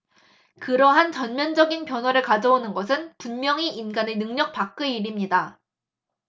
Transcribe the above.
그러한 전면적인 변화를 가져오는 것은 분명히 인간의 능력 밖의 일입니다